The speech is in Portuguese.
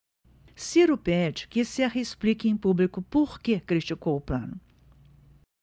ciro pede que serra explique em público por que criticou plano